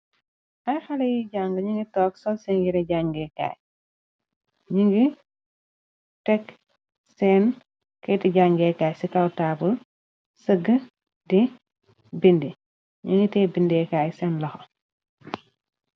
Ay xale yi jàng ñi ngi toog sol se ngiri jangeekaay ñi ngi tegg seen kayti jangeekaay ci kawtaabul sëgg di bindi ñi ngi te bindeekaay seen loxa.